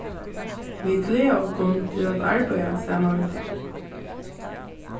vit gleða okkum til at arbeiða saman við tær